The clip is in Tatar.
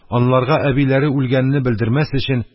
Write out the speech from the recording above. Анларга әбиләре үлгәнене белдермәс өчен,